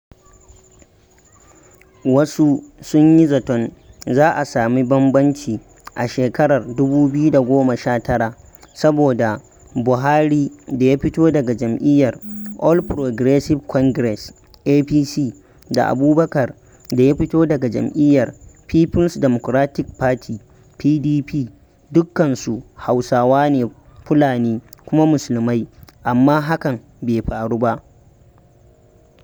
Wasu sun yi zaton za a sami bambamci a shekarar 2019 saboda Buhari da ya fito daga jam'iyyar All Progressive Congress (APC) da Abubakar da ya fito daga jam'iyyar People's Democratic Party (PDP) dukkansu Hausawa ne Fulani kuma Musulmai amma hakan bai faru ba.